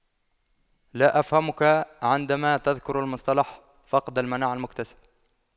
لا أفهمك عندما تذكر المصطلح فقد المناعة المكتسبة